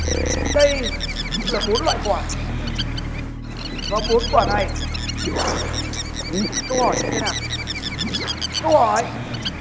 đây là bốn loại quả và bốn quả này câu hỏi sẽ thế nào câu hỏi